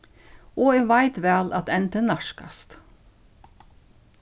og eg veit væl at endin nærkast